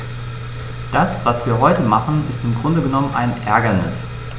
Das, was wir heute machen, ist im Grunde genommen ein Ärgernis.